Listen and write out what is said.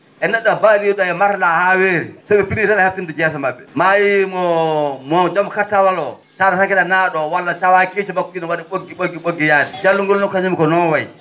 e ne??o baalii?o e matelas haa weeti so ?e pinii tan a heettin to jeese ma??e maa a yii mo mo jom kartawal o tawa tan ko ene naa?oo walla tawaa keeci makko ki ne wa?i ?oggi ?oggi ?oggi yaade jallungol ne kañumne ko noon wayi